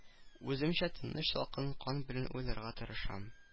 Үземчә тыныч салкын кан белән уйларга тырышам